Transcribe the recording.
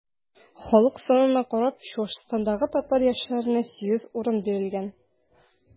Халык санына карап, Чуашстандагы татар яшьләренә 8 урын бирелгән.